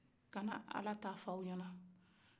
kana ala ta fɔ aw ɲana